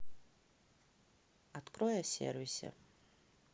открой о сервисе